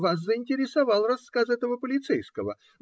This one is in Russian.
Вас заинтересовал рассказ этого полицейского.